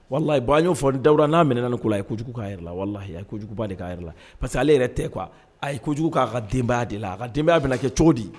Walahi bon an y'o fɔ. Dawuda, n'a minɛna ni ko la, a ye kojugu k'a yɛrɛ la, walahi, a ye kojuguba de k'a yɛrɛ la, parce que ale yɛrɛ tɛ quoi , a ye kojugu k'a ka denbaya de la. A ka denbaya bɛna kɛ cogo di?